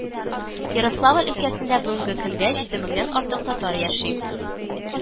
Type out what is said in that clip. Ярославль өлкәсендә бүгенге көндә җиде меңнән артык татар яши